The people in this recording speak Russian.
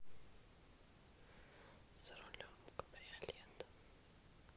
за рулем кабриолета